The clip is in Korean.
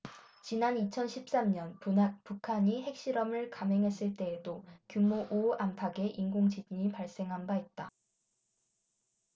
지난 이천 십 삼 년 북한이 핵실험을 감행했을 때에도 규모 오 안팎의 인공지진이 발생한 바 있다